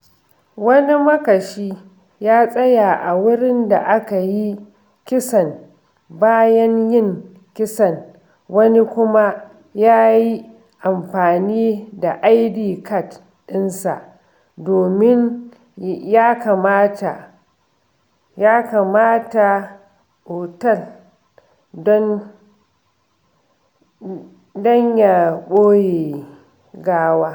Wani makashi ya tsaya a wurin da aka yi kisan bayan yin kisan; wani kuma ya yi amfani da ID card ɗinsa domin ya kamata otal don ya ɓoye gawar.